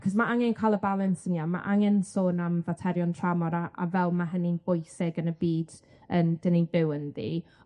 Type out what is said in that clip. Achos ma' angen ca'l y balans yn iawn ma' angen sôn am faterion tramor a a fel ma' hynny'n bwysig yn y byd yym 'dyn ni'n byw ynddi.